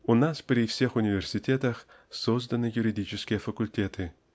У нас при всех университетах созданы юридические факультеты